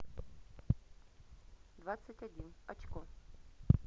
двадцать один очко